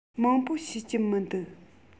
མང པོ ཤེས ཀྱི མི འདུག